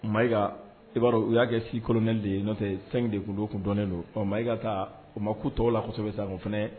Makaa u y'a kɛ si kolonɛ de ye nɔtɛ san de kulu tun dɔnnen don ɔ ma i ka taa u ma ku tɔw lasɛbɛ sa o fana